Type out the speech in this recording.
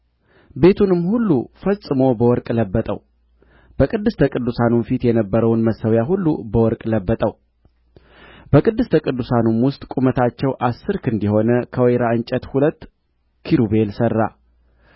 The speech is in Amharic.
ቤቱንም ሁሉ ፈጽሞ በወርቅ ለበጠው በቅድስተ ቅዱሳኑም ፊት የነበረውን መሠዊያ ሁሉ በወርቅ ለበጠው በቅድስተ ቅዱሳኑም ውስጥ ቁመታቸው አሥር ክንድ የሆነ ከወይራ እንጨት ሁለት ኪሩቤል ሠራ